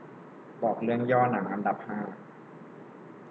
บอกเรื่องย่อหนังอันดับห้า